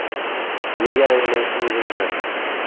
negaligini o'zing bilasan